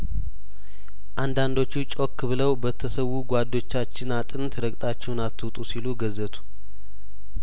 አንዳንዶቹ ጮክ ብለው በተሰዉ ጓዶቻችን አጥንት ረግጣችሁን አትውጡ ሲሉ ገዘቱ